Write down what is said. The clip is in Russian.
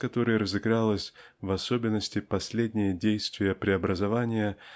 с которой разыгралось в особенности последнее действие преобразования